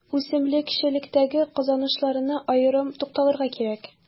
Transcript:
Үсемлекчелектәге казанышларына аерым тукталырга кирәк.